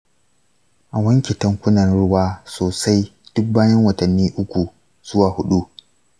a wanke tankunan ruwa sosai duk bayan watanni uku zuwa huɗu.